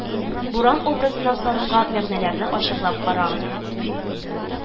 Буран образына салынган мәгънәләрне ачыклап карагыз